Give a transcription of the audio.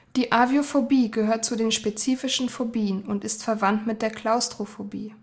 Die Aviophobie gehört zu den spezifischen Phobien und ist verwandt mit der Klaustrophobie